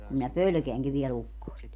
kun minä pelkäänkin vielä ukkosta